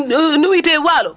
no wiyetee waalo